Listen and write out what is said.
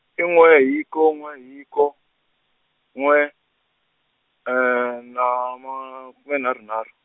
i n'we hiko, n'we hiko, n'we na makume nharhu nharhu.